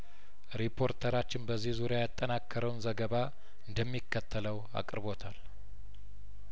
ሪፖርተራችን በዚህ ዙሪያ ያጠናከረውን ዘገባ እንደሚከተለው አቅርቦታል